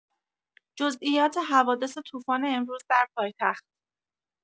جزئیات حوادث توفان امروز در پایتخت